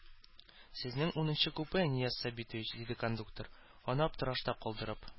Сезнең унынчы купе, Нияз Сабитович, диде кондуктор, аны аптырашта калдырып.